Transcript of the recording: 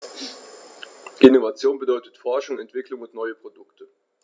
Innovation bedeutet Forschung, Entwicklung und neue Produkte.